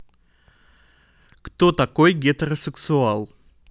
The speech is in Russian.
кто такой гетеросексуал